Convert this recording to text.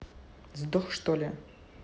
сдох что ли